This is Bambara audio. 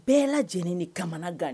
Bɛɛ lajɛleneni ni kamana gan